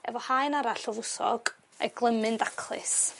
efo haen arall o fwsog a'i glymu'n daclus.